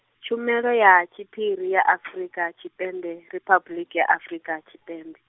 Tshumelo ya, Tshiphiri ya Afrika Tshipembe, Riphabuḽiki ya Afrika Tshipembe.